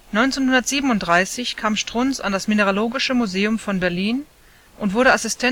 1937 kam Strunz an das Mineralogische Museum von Berlin und wurde Assistent